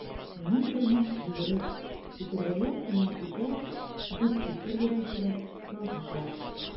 Минем тормыш йөгереп, сикергәләп кенә үтә, дип фикер йөртүчеләр ялгыша.